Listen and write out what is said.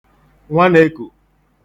nwanēkù